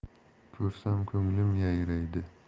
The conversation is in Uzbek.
ko'rsam ko'nglim yayraydi